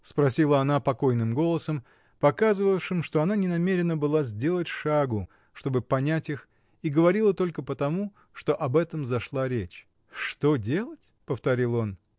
— спросила она покойным голосом, показывавшим, что она не намерена была сделать шагу, чтоб понять их, и говорила только потому, что об этом зашла речь. — Что делать? — повторил он.